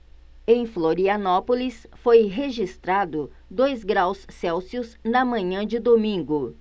em florianópolis foi registrado dois graus celsius na manhã de domingo